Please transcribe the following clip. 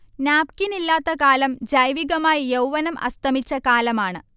നാപ്കിനില്ലാത്ത കാലം ജൈവികമായി യൗവ്വനം അസ്തമിച്ച കാലമാണ്